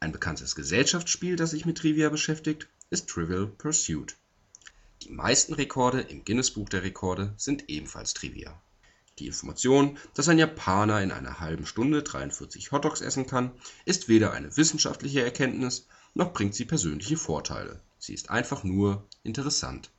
bekanntes Gesellschaftsspiel, das sich mit Trivia beschäftigt, ist Trivial Pursuit. Die meisten Rekorde im Guinness-Buch der Rekorde sind ebenfalls Trivia: Die Information, dass ein Japaner in einer halben Stunde 43 Hot Dogs essen kann, ist weder eine wissenschaftliche Erkenntnis noch bringt sie persönliche Vorteile. Sie ist einfach „ nur “interessant